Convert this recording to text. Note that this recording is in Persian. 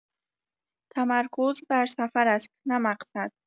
تمرکز بر سفر است نه مقصد